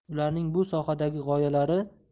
ularning bu sohadagi